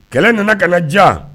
Kɛlɛ nana ka na diya